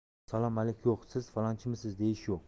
salom alik yo'q siz falonchimisiz deyish yo'q